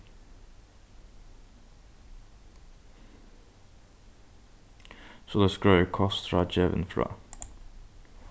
soleiðis greiðir kostráðgevin frá